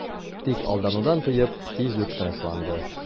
Тик алдануын тоеп, тиз үк тынычланды...